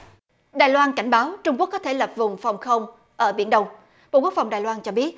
đài loan cảnh báo trung quốc có thể lập vùng phòng không ở biển đông bộ quốc phòng đài loan cho biết